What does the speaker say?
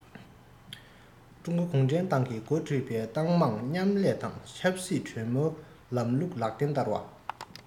ཀྲུང གོ གུང ཁྲན ཏང གིས འགོ ཁྲིད པའི ཏང མང མཉམ ལས དང ཆབ སྲིད གྲོས མོལ ལམ ལུགས ལག ལེན བསྟར བ